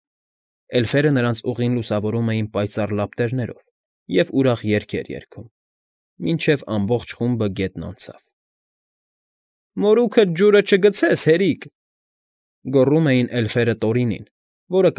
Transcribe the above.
Էլֆերը նրանց ուղին լուսավորում էին պայծառ լապտերներով և ուրախ երգեր երգում, մինչև ամբողջ խումբը գետն անցավ։ ֊ Մորուքդ ջուրը չգցես, հերիկ,֊ գոռում էին էլֆերը Տորինին, որը։